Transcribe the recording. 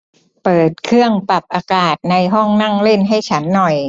เปิดเครื่องปรับอากาศในห้องนั่งเล่นให้ฉันหน่อย